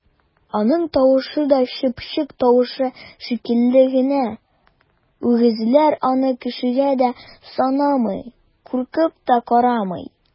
Аның тавышы да чыпчык тавышы шикелле генә, үгезләр аны кешегә дә санамый, куркып та карамый!